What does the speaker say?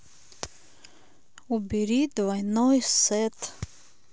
убери двойной сет